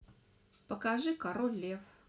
покажи король лев